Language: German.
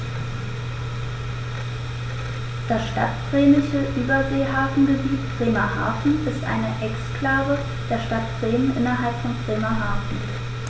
Das Stadtbremische Überseehafengebiet Bremerhaven ist eine Exklave der Stadt Bremen innerhalb von Bremerhaven.